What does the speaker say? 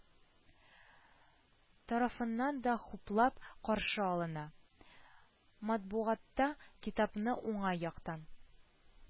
Тарафыннан да хуплап каршы алына, матбугатта китапны уңай яктан